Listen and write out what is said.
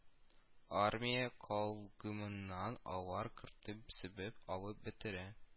Армия калгымыннан алар кыртып-себеп алып бетерә